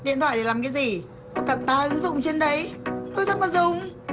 điện thoại để làm cái gì cả tá ứng dụng trên đấy lôi ra mà dùng